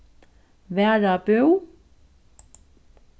varðabú